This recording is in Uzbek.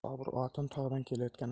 bobur otini tog'dan kelayotgan